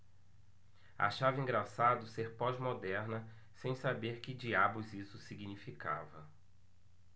achava engraçado ser pós-moderna sem saber que diabos isso significava